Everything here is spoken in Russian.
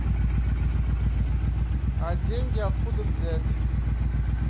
а деньги откуда взять